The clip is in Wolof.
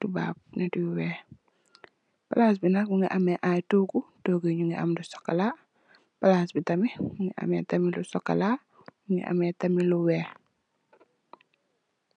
tubaab nit yu weex palas bi nak mongi ame ay togu togu nyugi ame lu cxocola palas tamit mungi tamit lu cxocola mongi ame tamit lu weex.